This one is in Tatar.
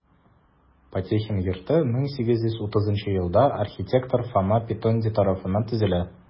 Потехин йорты 1830 елда архитектор Фома Петонди тарафыннан төзелә.